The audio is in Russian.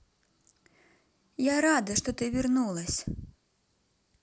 я рада что ты вернулась